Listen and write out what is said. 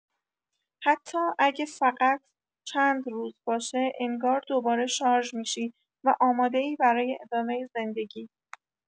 حتی اگه فقط چند روز باشه، انگار دوباره شارژ می‌شی و آماده‌ای برای ادامه زندگی.